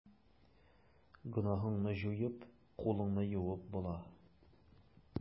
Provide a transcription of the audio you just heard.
Гөнаһыңны җуеп, кулыңны юып була.